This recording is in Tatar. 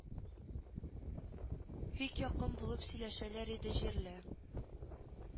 Бик якын булып сөйләшәләр иде җирле